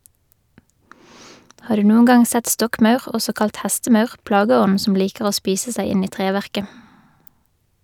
Har du noen gang sett stokkmaur, også kalt hestemaur, plageånden som liker å spise seg inn i treverket?